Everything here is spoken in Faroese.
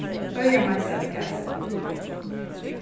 føroyameistaraskapið